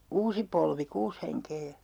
siellä oli se uusi polvi kuusi henkeä ja